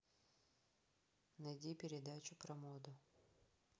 найди передачу про моду